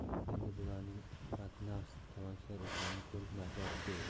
endi bularning badnafs talonchilar ekanini ko'rib nafrati keldi